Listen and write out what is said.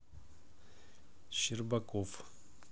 щербаков